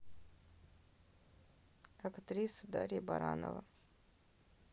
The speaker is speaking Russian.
актриса дарья баранова